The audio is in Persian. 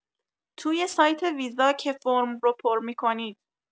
توی سایت ویزا که فرم رو پر می‌کنید